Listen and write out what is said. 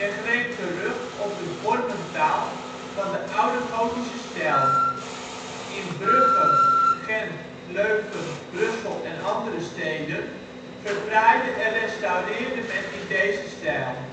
greep terug op de vormentaal van de oude gotische stijl. In Brugge, Gent, Leuven, Brussel en andere steden verfraaide en restaureerde men in deze stijl